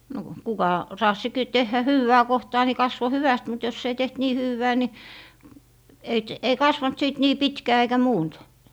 no kuka raatsi - tehdä hyvää kohtaa niin kasvoi hyvästi mutta jos ei tehty niin hyvää niin ei - ei kasvanut sitten niin pitkää eikä muuta